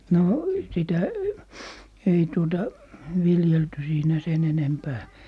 no sitä ei tuota viljelty siinä sen enempää